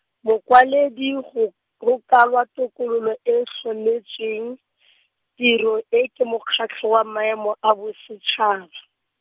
mokwaledi go, go kaiwa tokololo e tlhometsweng , tiro e ke Mokgatlho wa maemo a Bosetšhaba.